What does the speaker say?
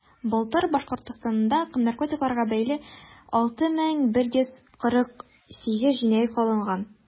Былтыр Башкортстанда наркотикларга бәйле 6148 җинаять кылынган.